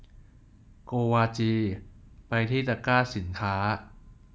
โกวาจีไปที่ตะกร้าสินค้า